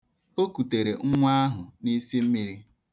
O kutere nwa ahụ n'isimmiri.